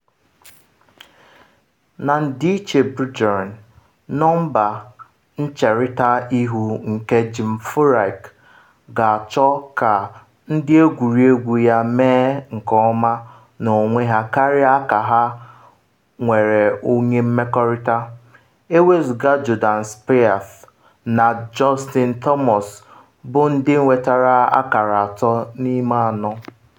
Na ndịiche Bjorn, nọmba ncherịta ihu nke Jim Furyk ga-achọ ka ndị egwuregwu ya mee nke ọma n’onwe ha karịa ka ha nwere onye mmekọrịta, ewezuga Jordan Spieth na Justin Thomas bụ ndị nwetere akara atọ n’ime anọ.